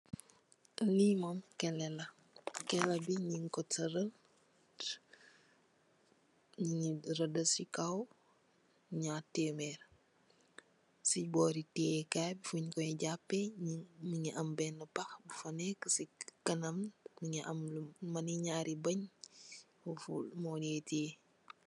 Li Mom keleh la keleh bi nyung tedal si suff nyunge raduh nyarr temer si kaw si bori teyeh kai bisi kanam munge melni lu ame nyari baanj